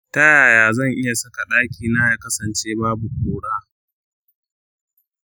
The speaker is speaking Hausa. ta yaya zan iya saka ɗakina ya kasance babu ƙura?